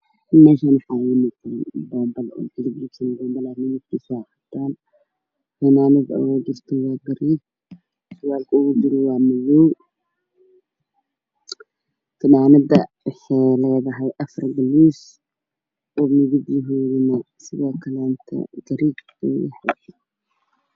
Mushaar waxay yeelo gifti jirro funaanad iyo shatilada fanaanada xayleedahayafar guluus sharcigana waa jeelo